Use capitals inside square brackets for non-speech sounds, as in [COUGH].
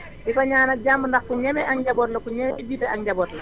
di ko ñaanal jàmm [CROSSTALK] ndax ku ñeme njaboot la ku ñeme jiite ab njaboot la